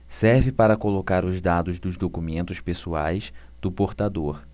serve para colocar os dados dos documentos pessoais do portador